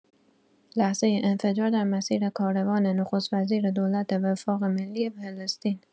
لحظه انفجار در مسیر کاروان نخست‌وزیر دولت وفاق ملی فلسطین